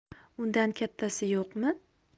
undan kattasi yo'qmi